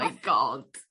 ...my God.